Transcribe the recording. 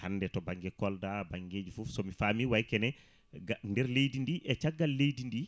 hande to banggue Kolda banggueji foof somi faami way kene ga nder leydi ndi e caggal leydi ndi